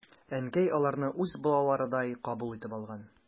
Әнкәй аларны үз балаларыдай кабул итеп алган.